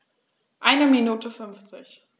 Eine Minute 50